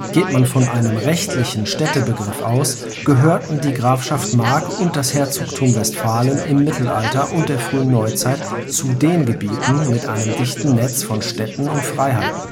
Geht man von einem rechtlichen Städtebegriff (Stadtrechte) aus, gehörten die Grafschaft Mark und das Herzogtum Westfalen im Mittelalter und der frühen Neuzeit zu den Gebieten mit einem dichten Netz von Städten und Freiheiten